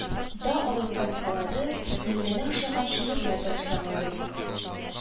Да алып кайткалады, күңеленә ошаган шигырьләр дә очрамады